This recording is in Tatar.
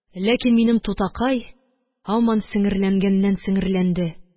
Ләкин минем тутакай һаман сеңерләнгәннән-сеңерләнде